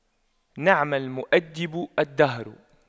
نعم المؤَدِّبُ الدهر